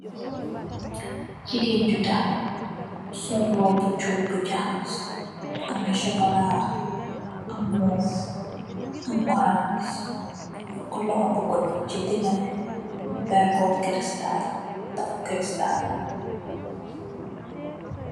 Jegain bu tahaw sol roubu chub bu jaxas bu ameh sukola am morve am orance ak lohou bu gouda che denabe mu pere ku cristal tafu cristal.